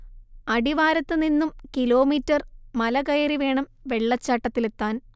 അടിവാരത്ത് നിന്നും കിലോമീറ്റർ മലകയറി വേണം വെള്ളച്ചാട്ടത്തിലെത്താൻ